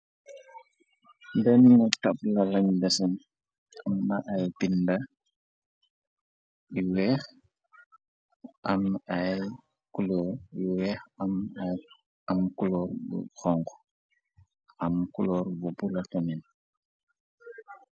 dennu tablalañ desen amna ay pinda yu weex am ay kulo yu weex am kloor bu xong am kuloor bu bulatanin.